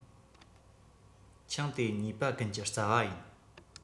ཆང དེ ཉེས པ ཀུན གྱི རྩ བ ཡིན